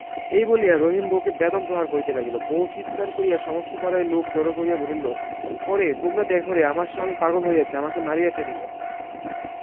এই বলিয়া রহিম বউকে বেদম প্রহার করিতে লাগিল বউ চিৎকার করিয়া সমস্ত পাড়ার লোক জড় করিয়া ফেলিল ওরে তোমরা দেখরে আমার সোয়ামী পাগল হইয়াছে আমাকে মারিয়া ফেলিল